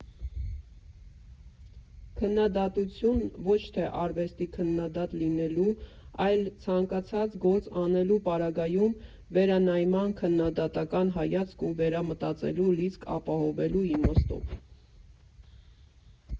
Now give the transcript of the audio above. «Քննադատություն ոչ թե արվեստի քննադատ լինելու, այլ ցանկացած գործ անելու պարագայում վերանայման, քննադատական հայացք ու վերամտածելու լիցք ապահովելու իմաստով»։